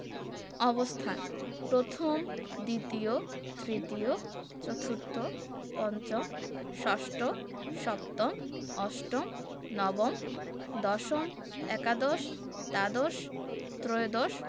অবস্থানঃ প্রথম দ্বিতীয় তৃতীয় চতুর্থ পঞ্চম ষষ্ট সপ্তম অষ্টম নবম দশম একাদশ দ্বাদশ ত্ৰয়োদশ